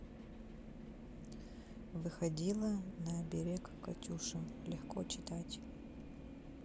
выходила на берег катюша легко читать